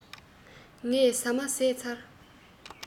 ངས ཟ མ བཟས ཚར